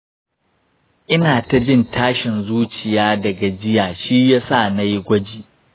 ina ta jin tashin zuciya da gajiya, shiyasa nayi gwaji.